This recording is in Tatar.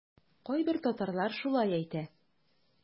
Кайбер татарлар шулай әйтә.